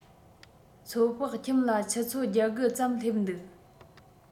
ཚོད དཔག ཁྱིམ ལ ཆུ ཚོད བརྒྱད དགུ ཙམ སླེབས འདུག